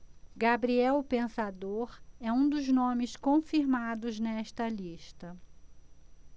gabriel o pensador é um dos nomes confirmados nesta lista